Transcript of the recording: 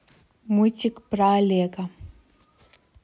мультик про олега